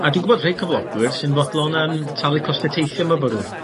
a dwi'n gwbod rhei cyflogwyr sy'n fodlon yym talu costia teithio myfyrwyr.